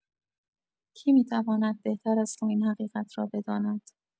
کی می‌تواند بهتر از تو این حقیقت را بداند؟